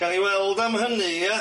Ga' ni weld am hynny ia?